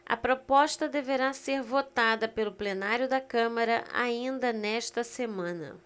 a proposta deverá ser votada pelo plenário da câmara ainda nesta semana